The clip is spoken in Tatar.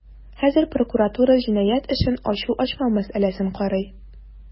Хәзер прокуратура җинаять эшен ачу-ачмау мәсьәләсен карый.